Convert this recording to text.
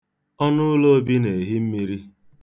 Ọnụụlọ Obi na-ehi mmiri.